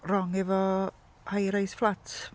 Wrong efo high-rise flats.